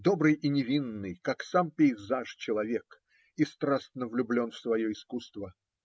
Добрый и невинный, как сам пейзаж, человек и страстно влюблен в свое искусство.